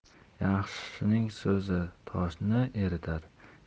yaxshining so'zi toshni eritar